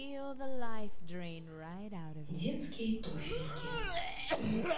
детские туфельки